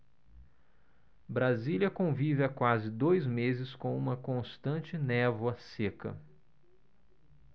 brasília convive há quase dois meses com uma constante névoa seca